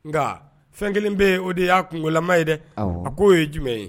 Nka fɛn kelen bɛ o de y'a kunkologolama ye dɛ a k ko oo ye jumɛn ye